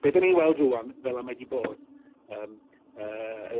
Be' 'dan ni'n weld rŵan fel 'a mae 'di bod yym yy